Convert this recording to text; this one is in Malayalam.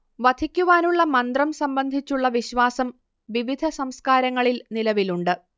വധിക്കുവാനുള്ള മന്ത്രം സംബന്ധിച്ചുള്ള വിശ്വാസം വിവിധ സംസ്കാരങ്ങളിൽ നിലവിലുണ്ട്